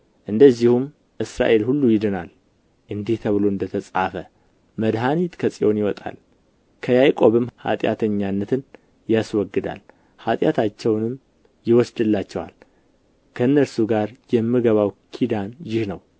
እንደዚሁም እስራኤል ሁሉ ይድናል እንዲህ ተብሎ እንደ ተጻፈ መድኃኒት ከጽዮን ይወጣል ከያዕቆብም ኃጢአተኛነትን ያስወግዳል ኃጢአታቸውንም ስወስድላቸው ከእነርሱ ጋር የምገባው ኪዳን ይህ ነው